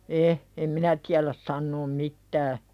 en en minä tiedä sanoa mitään